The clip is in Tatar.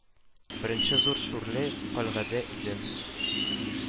Беренче Зур Шурләй, кальгадә иде